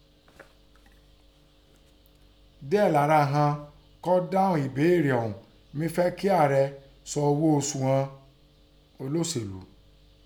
Díẹ̀ lára ighọn kọ́ dáhùn èbéèrè ọ̀hún mí fẹ́ kí Ààrẹ sọ oghó osù ighọn olósèlú.